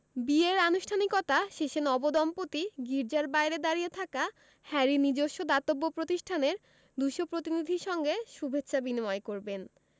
বিয়ের আনুষ্ঠানিকতা শেষে নবদম্পতি গির্জার বাইরে দাঁড়িয়ে থাকা হ্যারির নিজস্ব দাতব্য প্রতিষ্ঠানের ২০০ প্রতিনিধির সঙ্গে শুভেচ্ছা বিনিময় করবেন